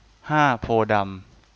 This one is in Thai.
ห้าโพธิ์ดำ